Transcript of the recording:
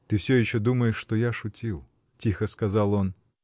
— Ты всё еще думаешь, что я шутил! — тихо сказал он.